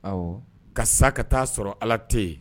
Ɔ ka sa ka taa sɔrɔ ala tɛ yen